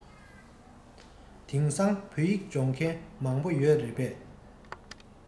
དེང སང བོད ཡིག སྦྱོང མཁན མང པོ ཡོད རེད པས